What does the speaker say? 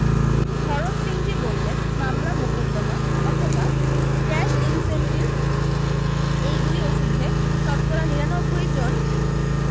ভরত সিংজী বললেন মামলা মোকদ্দমা অথবা ক্যাশ ইন্সেন্টিভ এই দুই ওষুধে শতকরা নিরানব্বই জন